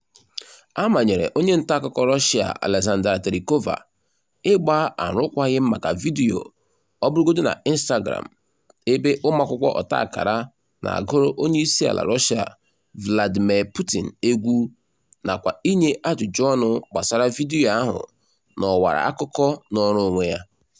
A manyere onye ntaakụkọ Russia Alexandra Terikova ịgba arụkwaghịm maka vidiyo o bugoro na Instagram ebe ụmụakwụkwọ ọta akara na-agụrụ onyeisiala Russia Vladimir Putin egwu nakwa ịnye ajụjụọnụ gbasara vidiyo ahụ n'ọwara akụkọ nọọrọ onwe ya.